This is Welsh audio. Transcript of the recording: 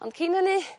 ond cyn hynny